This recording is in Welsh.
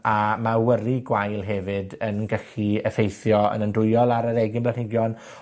A ma' awyru gwael hefyd yn gallu effeithio yn andwyol ar yr egin blanhigion.